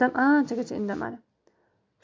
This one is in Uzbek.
dadam anchagacha indamadi